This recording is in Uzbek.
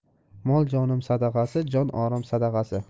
mol jonim sadag'asi jon orim sadag'asi